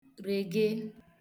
règèe